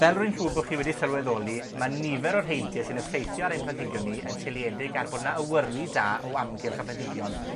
Fel rwy'n siŵr bo' chi wedi sylweddoli, ma' nifer o'r heintie sy'n effeithio ar ein planhigion ni yn seiliedig ar bo' 'na awyru da o amgylch y planhigion.